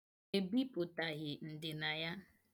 Ebipụtaghị ndịna ya.